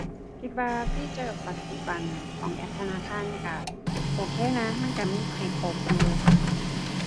คิดว่าฟีเจอร์ปัจจุบันของแอปธนาคารก็โอเคนะมันกะมีให้ครบอยู่